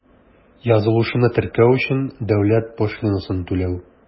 Язылышуны теркәү өчен дәүләт пошлинасын түләү.